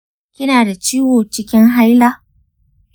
kina da ciwon cikin haila?